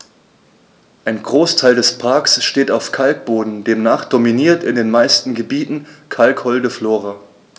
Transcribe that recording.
Ein Großteil des Parks steht auf Kalkboden, demnach dominiert in den meisten Gebieten kalkholde Flora.